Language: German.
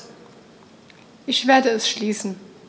Ich werde es schließen.